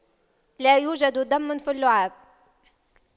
لا يوجد دم في اللعاب